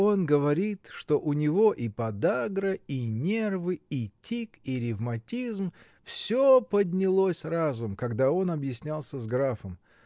Он говорит, что у него и подагра, и нервы, и тик, и ревматизм — всё поднялось разом, когда он объяснялся с графом.